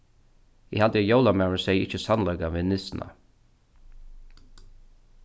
eg haldi at jólamaðurin segði ikki sannleikan við nissuna